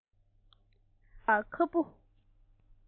སྐྱེས པའི ཁ ལ དགོས པ ཁ སྤུ